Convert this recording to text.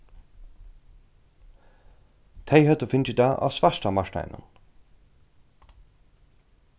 tey høvdu fingið tað á svarta marknaðinum